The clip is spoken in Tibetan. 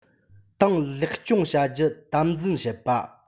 ཏང ལེགས སྐྱོང བྱ རྒྱུ དམ འཛིན བྱེད པ